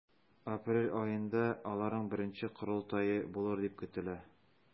Апрель аенда аларның беренче корылтае булыр дип көтелә.